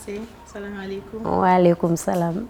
'ale sa